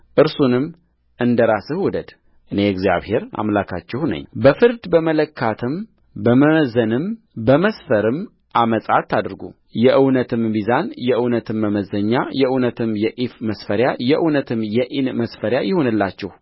እርሱንም እንደ ራስህ ውደድ እኔ እግዚአብሔር አምላካችሁ ነኝበፍርድ በመለካትም በመመዘንም በመስፈርም ዓመፃ አታድርጉየእውነትም ሚዛን የእውነትም መመዘኛ የእውነትም የኢፍ መስፈሪያ የእውነትም የኢን መስፈሪያ ይሁንላችሁ